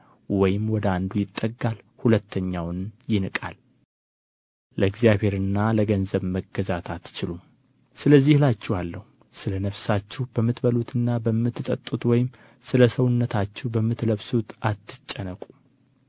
ወይም ወደ አንዱ ይጠጋል ሁለተኛውንም ይንቃል ለእግዚአብሔርና ለገንዘብ መገዛት አትችሉም ስለዚህ እላችኋለሁ ስለ ነፍሳችሁ በምትበሉትና በምትጠጡት ወይም ስለ ሰውነታችሁ በምትለብሱት አትጨነቁ